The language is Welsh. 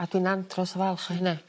A dwi'n andros y falch am hynna.